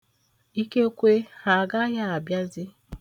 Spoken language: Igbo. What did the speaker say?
Ikekwe ha agaghị abịazi.